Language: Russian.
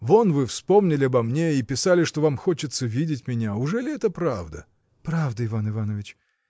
Вон вы вспомнили обо мне и писали, что вам хочется видеть меня: ужели это правда? — Правда, Иван Иванович.